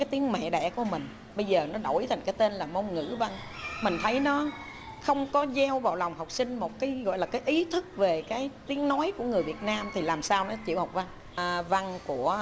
tiếng mẹ đẻ của mình bây giờ nó đổi thành cái tên là môn ngữ văn mình thấy nó không có gieo vào lòng học sinh một cái gọi là cái ý thức về cái tiếng nói của người việt nam thì làm sao mà chịu học văn hà văn của